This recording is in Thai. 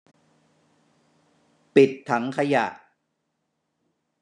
ปิดถังขยะ